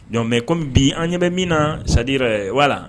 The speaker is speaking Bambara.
Ɲɔnmɛ kɔmi bi an ɲɛ bɛ min na sadi yɛrɛ wala